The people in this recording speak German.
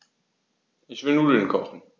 Ich will Nudeln kochen.